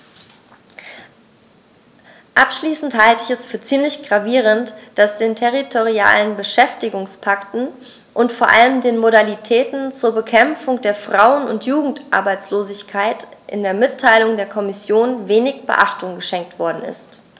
Abschließend halte ich es für ziemlich gravierend, dass den territorialen Beschäftigungspakten und vor allem den Modalitäten zur Bekämpfung der Frauen- und Jugendarbeitslosigkeit in der Mitteilung der Kommission wenig Beachtung geschenkt worden ist.